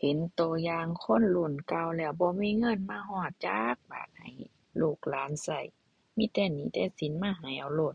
เห็นก็อย่างคนรุ่นเก่าแล้วบ่มีเงินมาฮอดจักบาทให้ลูกหลานก็ มีแต่หนี้แต่สินมาให้เอาโลด